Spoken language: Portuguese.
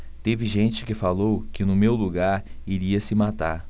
teve gente que falou que no meu lugar iria se matar